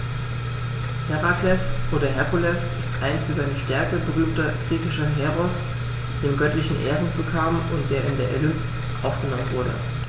Herakles oder Herkules ist ein für seine Stärke berühmter griechischer Heros, dem göttliche Ehren zukamen und der in den Olymp aufgenommen wurde.